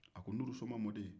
a ko nulusoma mɔden